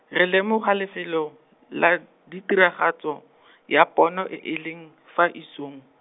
re lemoga lefelo, la ditiragatso, ya pono e e leng, fa isong.